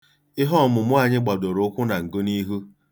Ihe omume anyị gbadoro ụkwụ na ngụniihu.